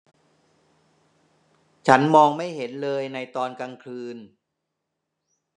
ฉันมองไม่เห็นเลยในตอนกลางคืน